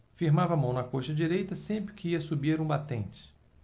firmava a mão na coxa direita sempre que ia subir um batente